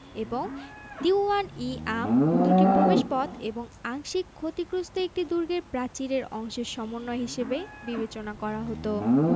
এবং দীউয়ান ই আম দুটি প্রবেশপথ এবং আংশিক ক্ষতিগ্রস্ত একটি দুর্গের প্রাচীরের অংশের সমন্বয় হিসেবে বিবেচনা করা হতো